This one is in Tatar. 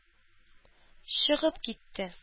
Чыгып китте